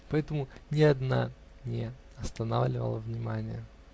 поэтому ни одна не останавливала внимания.